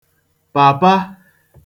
pàpa